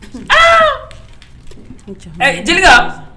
Jelika !!!